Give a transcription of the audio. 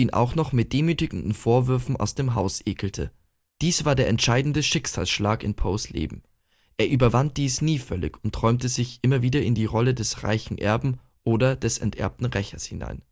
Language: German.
auch noch mit demütigenden Vorwürfen aus dem Haus ekelte. Dies war der entscheidende Schicksalsschlag in Poes Leben. Er überwand das nie völlig und träumte sich immer wieder in die Rolle des reichen Erben oder des enterbten Rächers hinein